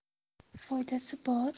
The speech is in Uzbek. foydasi bor